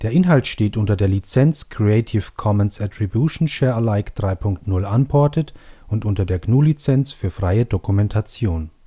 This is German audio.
Inhalt steht unter der Lizenz Creative Commons Attribution Share Alike 3 Punkt 0 Unported und unter der GNU Lizenz für freie Dokumentation